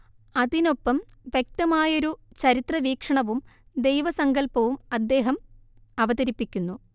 അതിനൊപ്പം വ്യക്തമായൊരു ചരിത്രവീക്ഷണവും ദൈവസങ്കല്പവും അദ്ദേഹം അവതരിപ്പിക്കുന്നു